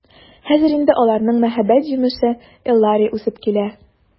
Хәзер инде аларның мәхәббәт җимеше Эллари үсеп килә.